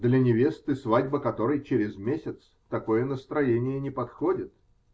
-- Для невесты, свадьба которой через месяц, такое настроение не подходит.